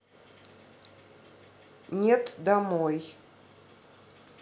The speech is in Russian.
нет домой